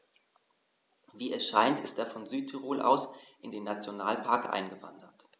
Wie es scheint, ist er von Südtirol aus in den Nationalpark eingewandert.